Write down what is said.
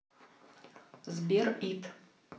сбер ит